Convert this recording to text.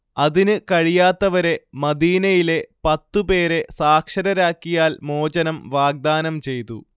അതിന് കഴിയാത്തവരെ മദീനയിലെ പത്ത് പേരെ സാക്ഷരരാക്കിയാൽ മോചനം വാഗ്ദാനം ചെയ്തു